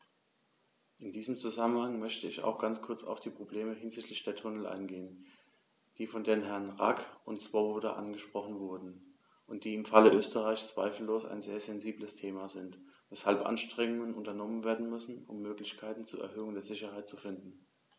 In diesem Zusammenhang möchte ich auch ganz kurz auf die Probleme hinsichtlich der Tunnel eingehen, die von den Herren Rack und Swoboda angesprochen wurden und die im Falle Österreichs zweifellos ein sehr sensibles Thema sind, weshalb Anstrengungen unternommen werden müssen, um Möglichkeiten zur Erhöhung der Sicherheit zu finden.